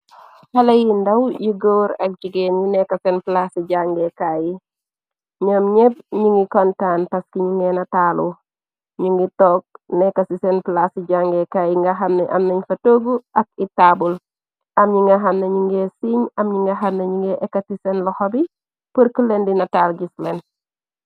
Haleh yu ndaw yu góor ak jigéen. Yi nekka seen plaasci jàngeekaay yi. Nyoom ñépb ñi ngi kontaan paski ñu ngee nataalu. Nyu ngi toog nekka ci seen plaas ci jàngeekaay yi nga xaam ne am nenfa togg ak i taabul. Am nyi nga xam neh nye ngee siiñ. Am ñyi nga xam na ñyi ngi ekati seen loxo bi purkleen di nataal gisleen.